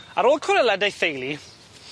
Ar ôl coelad ei theulu